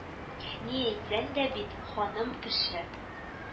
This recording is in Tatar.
Ни әйтсәң дә бит ханым кеше